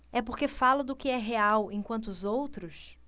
é porque falo do que é real enquanto os outros